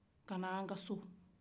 kana an ga so